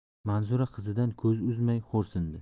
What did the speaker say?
manzura qizidan ko'z uzmay xo'rsindi